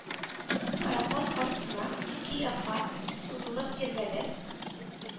Пароход артыннан ике якка сузылып-тирбәлеп